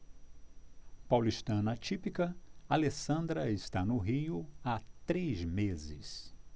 paulistana típica alessandra está no rio há três meses